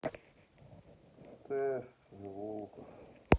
тест звуков